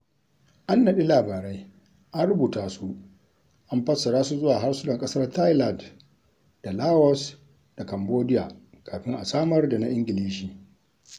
An naɗi labarai, an rubuta su an fassara su zuwa harsunan ƙasar Thailand da Laos da Cambodiya kafin a samar da na Ingilishi.